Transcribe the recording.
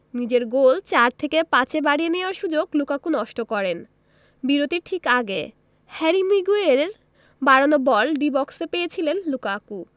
নিজের গোল চার থেকে পাঁচে বাড়িয়ে নেওয়ার সুযোগ লুকাকু নষ্ট করেন বিরতির ঠিক আগে হ্যারি মিগুয়েরের বাড়ানো বল ডি বক্সে পেয়েছিলেন লুকাকু